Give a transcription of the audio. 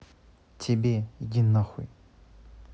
тебе идинахуй